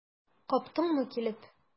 Каптыңмы килеп?